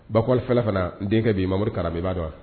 Bakɔli fana fana n denkɛ bi mamadukara b'a dɔn wa